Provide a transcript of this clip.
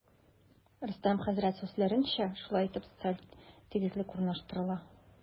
Рөстәм хәзрәт сүзләренчә, шулай итеп, социаль тигезлек урнаштырыла.